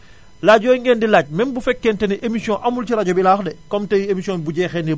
laaj yooyu ngeen di laaj même bu fekkee ni émission amul ci rajo bi laa wax de comme tay émission bi bu jeexee nii